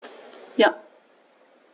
Ja.